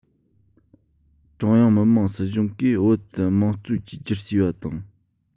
ཀྲུང དབྱང མི དམངས སྲིད གཞུང གིས བོད དུ དམངས གཙོའི བཅོས སྒྱུར བྱས པ དང